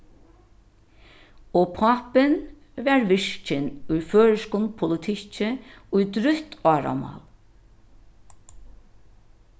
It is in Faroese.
og pápin var virkin í føroyskum politikki í drúgt áramál